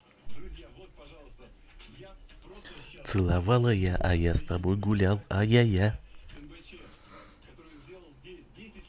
целовала я а я с тобой гулял а я я